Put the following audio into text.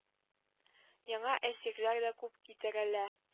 Яңа әсирләр дә күп китерелә